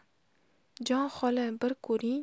jon xola bir ko'ring